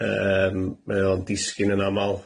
Yym mae o'n disgyn yn amal.